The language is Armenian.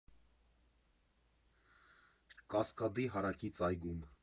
Կասկադի հարակից այգում։